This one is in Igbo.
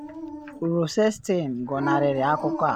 Rosenstein gọnarịrị akụkọ a.